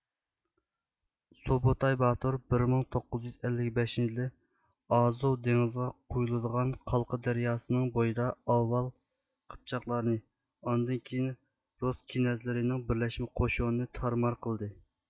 سۇبۇتاي باتۇر بىر مىڭ توققۇز يۇز ئەللىك بەشىنچى يىلى ئازۇۋ دېڭىزىغا قۇيۇلىدىغان قالقا دەرياسىنىڭ بويىدا ئاۋۋال قىپچاقلارنى ئاندىن كېيىن رۇس كېنەزلىرىنىڭ بىرلەشمە قوشۇنىنى تارمار قىلدى